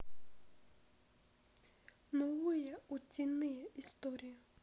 новые утиные истории